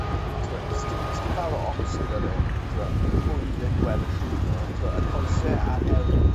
yy t'wod sdim sdim fawr o ots gyda fe t'bo... Hmm ...pwy fydd e'n gweld yn llwyddo t'wo' y coese a'r hewl